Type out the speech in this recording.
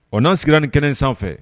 O'an sira nin kɛnɛ sanfɛ